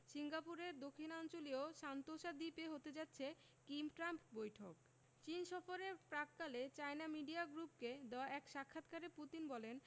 সিঙ্গাপুরের দক্ষিণাঞ্চলীয় সান্তোসা দ্বীপে হতে যাচ্ছে কিম ট্রাম্প বৈঠক চীন সফরের প্রাক্কালে চায়না মিডিয়া গ্রুপকে দেওয়া এক সাক্ষাৎকারে পুতিন বলেন